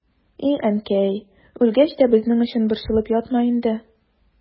И әнкәй, үлгәч тә безнең өчен борчылып ятма инде.